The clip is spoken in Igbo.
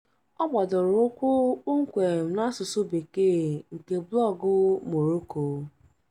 Ọ gbadoro ụkwụ kpọmkwem n'asụsụ bekee nke blọọgụ Morocco.